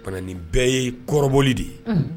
Ka nin bɛɛ ye kɔrɔoli de ye